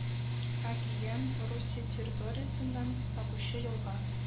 Агиян Русия территориясеннән агучы елга